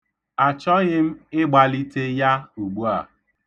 Achọghị m igbalite ya ugbua.